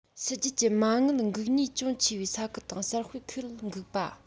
ཕྱི རྒྱལ གྱི མ དངུལ འགུག ནུས ཅུང ཆེ བའི ས ཁུལ དང གསར སྤེལ ཁུལ འགུགས པ